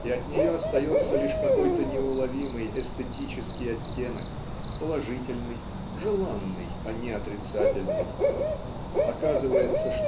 и от нее остается лишь какой-то неуловимый эстетический оттенок положительный желанный а не отрицательный. Оказывается